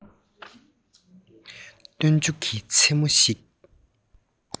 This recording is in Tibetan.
སྟོན མཇུག གི མཚན མོ ཞིག